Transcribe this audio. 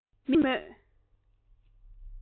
མིག ཆུ ཤོར སྲིད མོད